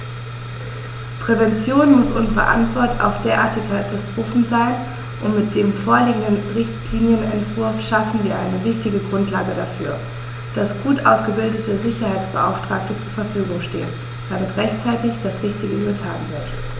Prävention muss unsere Antwort auf derartige Katastrophen sein, und mit dem vorliegenden Richtlinienentwurf schaffen wir eine wichtige Grundlage dafür, dass gut ausgebildete Sicherheitsbeauftragte zur Verfügung stehen, damit rechtzeitig das Richtige getan wird.